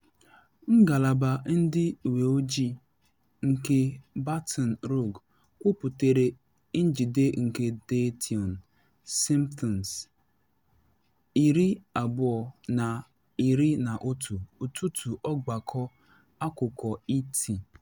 Ngalaba Ndị Uwe Ojii nke Baton Rouge kwuputere njide nke Dyteon Simpson, 20, na 11 ụtụtụ. Ọgbakọ akụkọ ET.